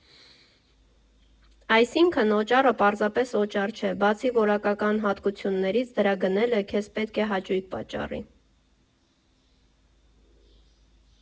Այսինքն՝ օճառը պարզապես օճառ չէ, բացի որակական հատկություններից, դրա գնելը քեզ պետք է հաճույք պատճառի։